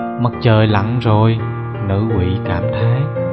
mặt trời lặn rồi nữ quỷ cảm thán